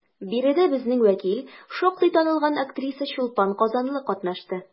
Биредә безнең вәкил, шактый танылган актриса Чулпан Казанлы катнашты.